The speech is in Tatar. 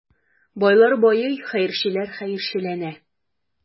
Байлар байый, хәерчеләр хәерчеләнә.